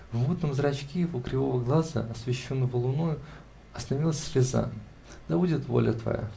в мутном зрачке его кривого глаза, освещенного луною, остановилась слеза. -- Да будет воля твоя!